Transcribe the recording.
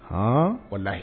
H o'a ye